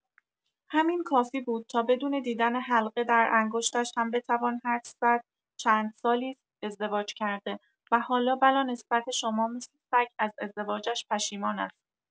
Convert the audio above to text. همین کافی بود تا بدون دیدن حلقه در انگشتش هم بتوان حدس زد چند سالی است ازدواج کرده و حالا بلانسبت شما مثل سگ از ازدواجش پشیمان است.